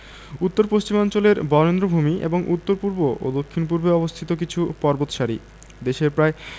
উত্তর পশ্চিমাঞ্চলের বরেন্দ্রভূমি এবং উত্তর পূর্ব ও দক্ষিণ পূর্বে অবস্থিত কিছু পর্বতসারি দেশের প্রায়